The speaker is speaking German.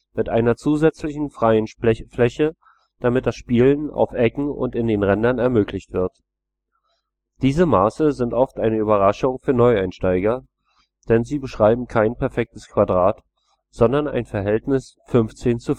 mit einer zusätzlichen freien Fläche, damit das Spielen auf Ecken und den Rändern ermöglicht wird. Diese Maße sind oft eine Überraschung für Neueinsteiger, denn sie beschreiben kein perfektes Quadrat, sondern ein Verhältnis 15:14. Hierfür